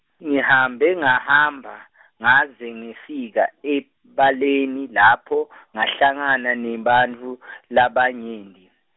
ngihambe ngahamba, ngaze ngefika ebaleni lapho , ngahlangana nebantfu , labanyenti.